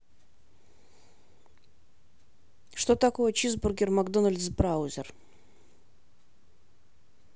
что такое чизбургер mcdonalds браузер